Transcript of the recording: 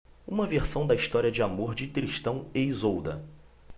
uma versão da história de amor de tristão e isolda